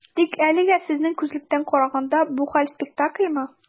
Тик әлегә, сезнең күзлектән караганда, бу хәл - спектакльмы?